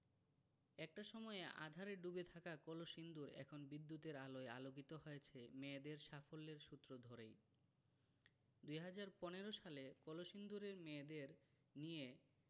একটা সময়ে আঁধারে ডুবে থাকা কলসিন্দুর এখন বিদ্যুতের আলোয় আলোকিত হয়েছে মেয়েদের সাফল্যের সূত্র ধরেই ২০১৫ সালে কলসিন্দুরের মেয়েদের নিয়ে